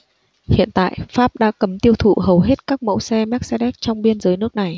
hiện tại pháp đã cấm tiêu thụ hầu hết các mẫu xe mercedes trong biên giới nước này